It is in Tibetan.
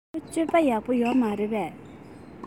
ཁོའི སྤྱོད པ ཡག པོ ཡོད མ རེད པས